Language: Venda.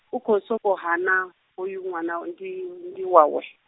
u khou sokou hana, hoyu ṅwana ndi, ndi wawe.